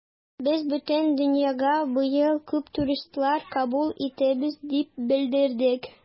Без бөтен дөньяга быел күп туристлар кабул итәбез дип белдердек.